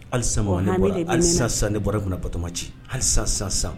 Alisa alisasan ne bɔra min batoma ci alisasan